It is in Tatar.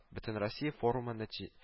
Бөтен россия форумы нәти